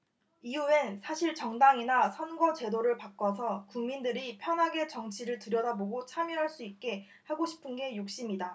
이후엔 사실 정당이나 선거제도를 바꿔서 국민들이 편하게 정치를 들여다보고 참여할 수 있게 하고 싶은 게 욕심이다